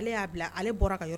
Ale y'a bila ale bɔra ka yɔrɔ